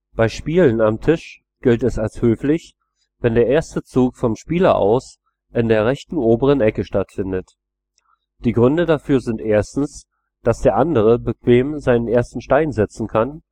Bei Spielen am Tisch gilt es als höflich, wenn der erste Zug vom Spieler aus in der rechten oberen Ecke stattfindet. Die Gründe dafür sind erstens, dass der andere bequem seinen ersten Stein setzen kann